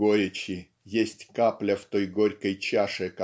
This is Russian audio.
горечи есть капля в той горькой чаше